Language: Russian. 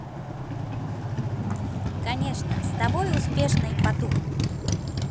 конечно с тобой успешной поту